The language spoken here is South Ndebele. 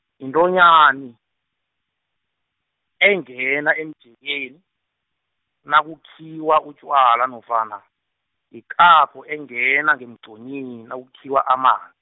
yintonyani, engena emjekeni, nakukhiwa utjwala nofana, yikapho engena ngemgqonyini nakukhiwa aman-.